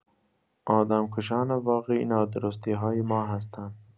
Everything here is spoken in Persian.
آدم‌کشان واقعی نادرستی‌های ما هستند.